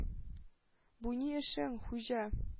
— бу ни эшең, хуҗа?